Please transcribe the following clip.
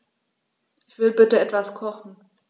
Ich will bitte etwas kochen.